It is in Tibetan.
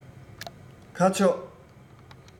ཁ ཕྱོགས